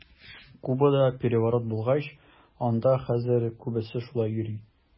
Кубада переворот булгач, анда хәзер күбесе шулай йөри.